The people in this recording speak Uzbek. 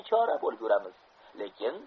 g'arib bechora bo'lib yuramiz